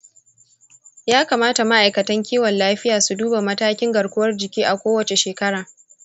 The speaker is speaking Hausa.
ya kamata ma'aikatan kiwon lafiya su duba matakin garkuwar-jiki a kowace shekara.